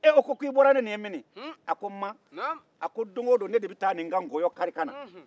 ko ee i bɔra ni nin ye min a ko ma don o don ne de bɛ taa nin nkɔyɔ kari ka na